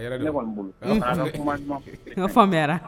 Faamuya